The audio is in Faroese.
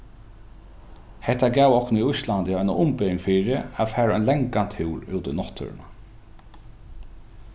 hetta gav okkum í íslandi eina umbering fyri at fara ein langan túr út í náttúruna